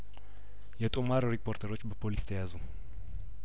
የጦማር ሪፖርተሮች በፖሊስ ተያዙ